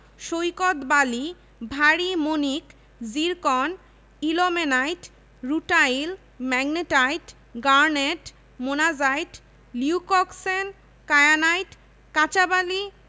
bank ও আর্থিক প্রতিষ্ঠানঃ রাষ্ট্রীয় কেন্দ্রীয় ব্যাংক ১টি বাংলাদেশ ব্যাংক ৪৮টি বাণিজ্যিক ব্যাংক এর মধ্যে ৪টি রাষ্ট্রীয় মালিকানায় ৩১টি দেশী বেসরকারি ব্যাংক